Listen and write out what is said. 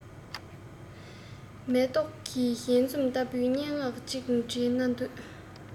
མེ ཏོག གི བཞད འཛུམ ལྟ བུའི སྙན ངག ཅིག འབྲི ན འདོད